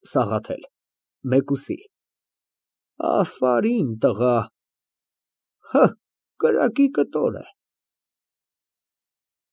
ՍԱՂԱԹԵԼ ֊ (Մեկուսի) Աֆարիմ տղա, կրակի կտոր է։